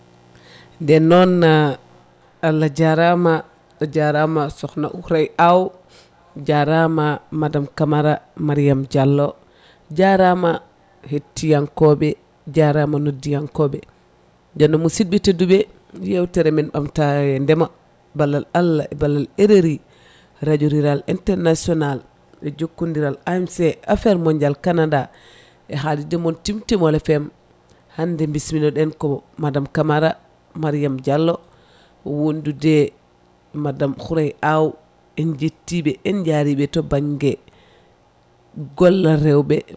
nden noon Allah jarama a jarama sokhna Houraye Aw jarama madame Camara Mariame Diallo jarama hettiyankoɓe jarama noddiyankoɓe nden noon musibɓe tedduɓe yewtere men ɓamtare ndeema ballal Allah e ballal RRI radio rural international e jokkodiral AMC affaire mondial Canada e haalirde moon Timtimol FM hande bismino ɗen ko madame Camara Mariame Diallo wondude madame Houraye Aw en jettiɓe en jaariɓe to banggue gollal rewɓe